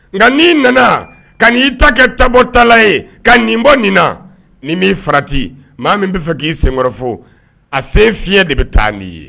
Nka n'i nana ka'i ta kɛ ta tala ye ka nin bɔ nin ni'i farati maa min b' fɛ k'i senkɔrɔfo a se fiɲɛ de bɛ taa nii ye